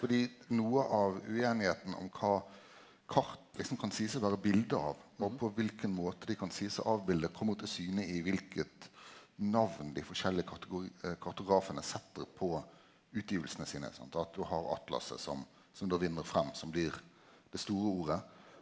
fordi noko av usemja om kva kart liksom kan seiast å vere bilde av og på kva måte dei kan seiast å avbilde komme til syne i kva namn dei forskjellige kartografane set på utgivingane sine sant og at du har atlas som som då vinn fram som blir det store ordet.